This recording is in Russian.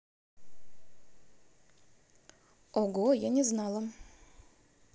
ого я не знала